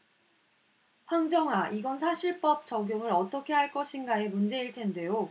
황정화 이건 사실 법 적용을 어떻게 할 것인가의 문제일 텐데요